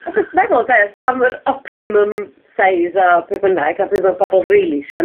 Achos meddwl 'de am yr optimum size a be' bynnag a be' ma' bobol rili isio'n